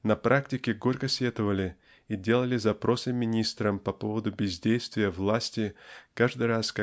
на практике горько сетовали и делали запросы министрам по поводу бездействия власти каждый раз